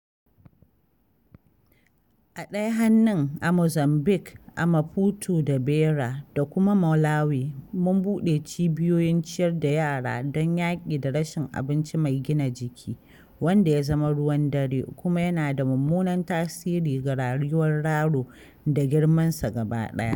A ɗaya hannun, a Mozambique ( a Maputo da Beira) da kuma Malawi, mun buɗe cibiyoyin ciyar da yara don yaƙi da rashin abinci mai gina jiki, wanda ya zama ruwan dare kuma yana da mummunan tasiri ga rayuwar yaro da girmansa gaba ɗaya.